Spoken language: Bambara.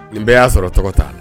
Nin bɛɛ y'a sɔrɔ tɔgɔ taa la